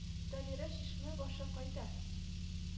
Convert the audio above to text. Дамира чишмә башы кайда